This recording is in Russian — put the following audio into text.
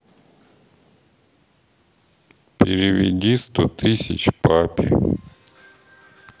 переведи сто тысяч папе